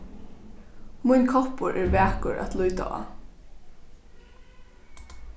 mín koppur er vakur at líta á